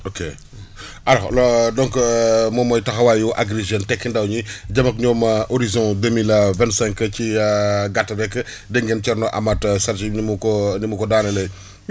ok alors donc moom mooy taxawaayu Agri Jeunes tekki ndaw ñi jëm ak ñoom horizon deux mille vingt cinq ci gàtt beeg dégg ngeen Thierno Amath Sadji ni mu ko ni mu ko daaneelee